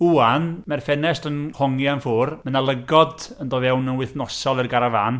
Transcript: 'Wan, ma'r ffenest yn hongian ffwrdd, ma' 'na lygod yn dod fewn yn wythnosol i'r garafán.